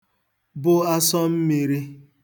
bụ asọmmīrī